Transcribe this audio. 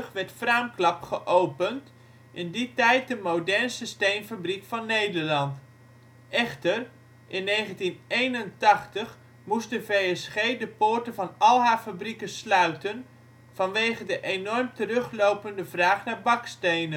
werd Fraamklap geopend, in die tijd de modernste steenfabriek van Nederland. Echter, in 1981 moest de VSG de poorten van al haar fabrieken sluiten vanwege de enorm teruglopende vraag naar